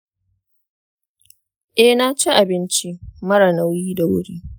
eh, na ci abinci marar nauyi da wuri